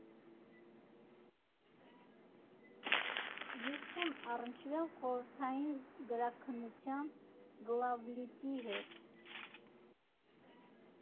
Ես չեմ առնչվել խորհրդային գրաքննության՝ «գլավլիտի» հետ։